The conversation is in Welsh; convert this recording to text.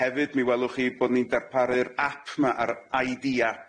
Hefyd mi welwch chi bo ni'n darparu'r ap 'ma yr Eye Dee App.